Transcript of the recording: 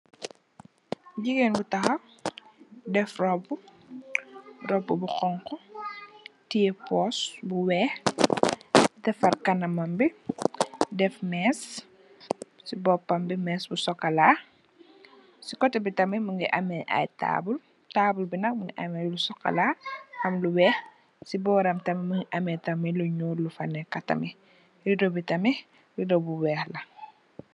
Jigéen bu taxaw, def roobu, roobu bu xoñxu, tiye poos bu weex, def defar kanamam bi, def mees, si boopam bi, bu sokolaa, si kotte bi tam mu ngi amee ay taabul, taabul bi nak mu ngi amee ay, lu sokolaa, am lu weex, si bóoram tam, mu ngi amee lu ñuul am riddo yu fa nekkë, riddo nak, riddo yu weex la.